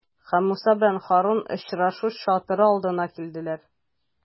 Һәм Муса белән Һарун очрашу чатыры алдына килделәр.